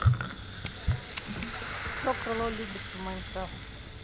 кто крыло любится в minecraft